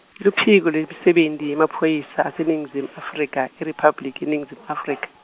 Luphiko lweMisebenti yeMaphoyisa aseNingizimu Afrika, IRiphabliki yeNingizimu Afrika.